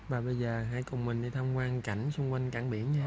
và bây giờ hãy cùng mình đi tham quan cảnh xung quanh cảnh biển